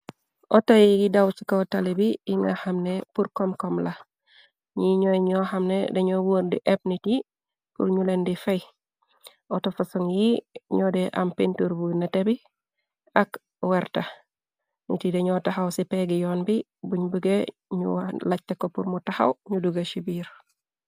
Outo yi yi daw ci ko tali bi yi nga xamne pur kom-kom la ñi ñooy ñoo xamne dañoo wóor di epp nit yi pur ñu leen di fey outofosong yi ñoode am pintur bu nete bi ak wërta nit yi dañoo taxaw ci peggi yoon bi buñ buge ñu lajt ko purmu taxaw ñu duge chi biir.